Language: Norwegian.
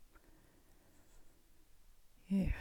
Ja.